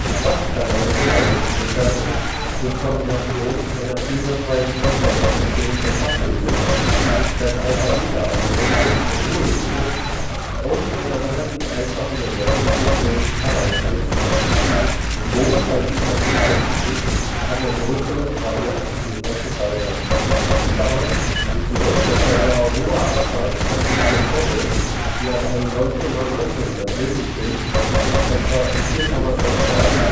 Schach kann eine mittlere Spielstärke durch Kombination einer fehlerfreien Implementation der Schachregeln, des Alpha-Beta-Algorithmus mit Ruhesuche, und einer relativ einfachen Bewertungsfunktion erreicht werden. Im Go scheint dies auf den ersten Blick an der größeren Variantenvielfalt zu scheitern (die unvorstellbar hohe Anzahl verschiedener Stellungen, die auf einem 19×19-Brett möglich sind, ist etwa 4,63